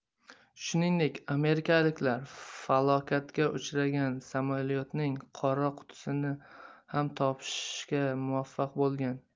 shuningdek amerikaliklar falokatga uchragan samolyotning qora qutisini ham topishga muvaffaq bo'lgan